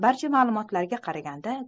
barcha ma'lumotlarga qaraganda